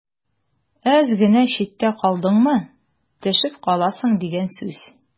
Әз генә читтә калдыңмы – төшеп каласың дигән сүз.